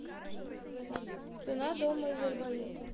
цена дома из арболита